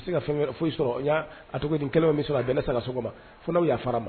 N bɛ se fɛn foyi sɔrɔ y'a cogo ni kɛlen bɛ sɔrɔ a bɛn sa sɔgɔma fo y'a fara ma